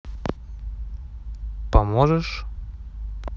поможешь